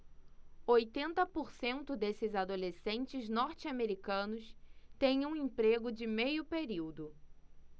oitenta por cento desses adolescentes norte-americanos têm um emprego de meio período